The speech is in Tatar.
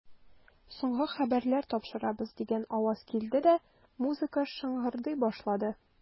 Соңгы хәбәрләр тапшырабыз, дигән аваз килде дә, музыка шыңгырдый башлады.